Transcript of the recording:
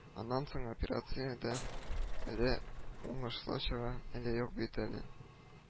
Аннан соң, операция да әллә уңышлы чыга, әллә юк бит әле